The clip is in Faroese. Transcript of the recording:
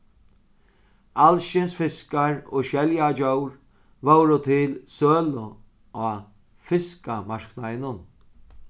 alskyns fiskar og skeljadjór vóru til sølu á fiskamarknaðinum